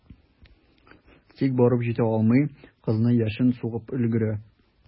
Тик барып җитә алмый, кызны яшен сугып өлгерә.